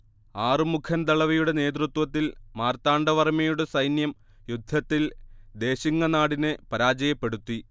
ആറുമുഖൻ ദളവയുടെ നേതൃത്വത്തിൽ മാർത്താണ്ഡവർമ്മയുടെ സൈന്യം യുദ്ധത്തിൽ ദേശിങ്ങനാടിനെ പരാജയപ്പെടുത്തി